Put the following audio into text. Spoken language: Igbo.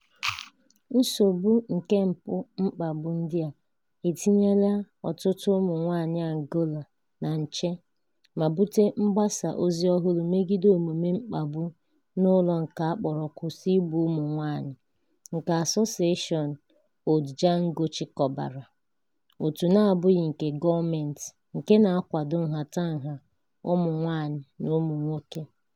Nsogbu nke mpụ mkpagbu ndị a etinyeela ọtụtụ ụmụ nwaanyị Angola na nche ma bute mgbasa ozi ọhụrụ megide omume mkpagbu n'ụlọ nke a kpọrọ "Kwụsị Igbu Ụmụ Nwaanyị," nke Association Ondjango chịkọbara, òtù na-abụghị nke gọọmentị nke na-akwado nhatanha ụmụ nwaanyị na ụmụ nwoke.